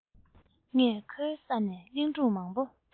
ངས ཁོའི ས ནས གླིང སྒྲུང མང པོ